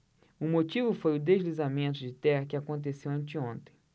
o motivo foi o deslizamento de terra que aconteceu anteontem